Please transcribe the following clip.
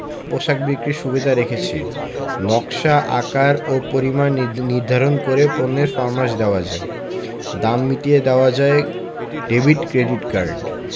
পোশাক বিক্রির সুবিধা রেখেছে নকশা আকার ও পরিমাণ নির্ধারণ করে পণ্যের ফরমাশ দেওয়া যায় দাম মিটিয়ে দেওয়া যায় ডেভিড ক্রেডিট কার্ড